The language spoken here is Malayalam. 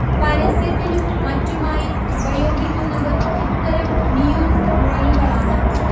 പരസ്യത്തിനും മറ്റുമായി ഉപയോഗിക്കുന്നത് ഇത്തരം നിയോൺ കുഴലുകളാണ്